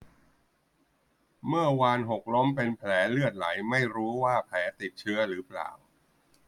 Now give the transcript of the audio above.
เมื่อวานหกล้มเป็นแผลเลือดไหลไม่รู้ว่าแผลติดเชื้อหรือเปล่า